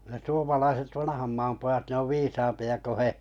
ne suomalaiset vanhan maan pojat ne on viisaampia kuin he